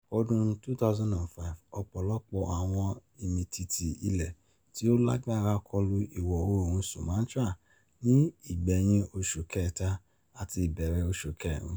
Ọdún 2005: Ọ̀pọ̀lọpọ̀ àwọn Ìmìtìtì ilẹ̀ tí ó lágbára kọlu ìwọ̀-oòrùn Sumatra ní ìgbẹ̀hìn Oṣù Kẹta àti ìbẹ̀rẹ̀ Oṣù Kẹrin.